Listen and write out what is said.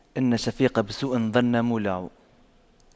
إن الشفيق بسوء ظن مولع